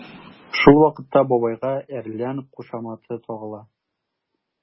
Шул вакытта бабайга “әрлән” кушаматы тагыла.